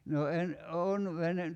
no en olen vene